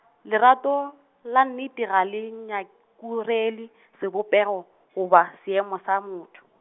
lerato, la nnete ga le nyakurele sebopego, goba, seemo sa motho .